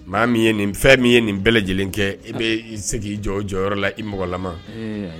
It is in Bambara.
Maa min ye nin, fɛn min ye nin bɛɛ lajɛlen kɛ i be se ki jɔ o jɔyɔrɔ la. I mɔgɔ la ma.